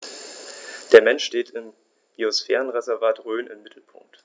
Der Mensch steht im Biosphärenreservat Rhön im Mittelpunkt.